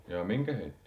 jaa minkä heitti